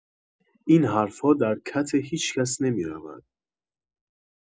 این حرف‌ها در کت هیچکس نمی‌رود